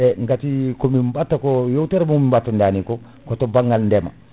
e gati ko min batta ko yeewtere ko min batta dani ko koto banggal ndeema